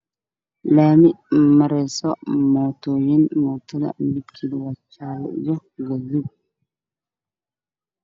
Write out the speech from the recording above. Waa laami waxaa maraayo bajaaj oo midabkeedu yahay iyo guduud